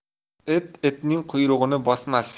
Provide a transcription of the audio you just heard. it itning quyrug'ini bosmas